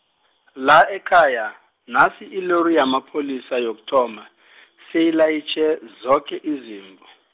la ekhaya, nasi ilori yamapholisa yokuthoma , seyilayitjhe, zoke izimvu.